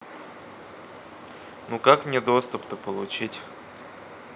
ну как мне доступ то получить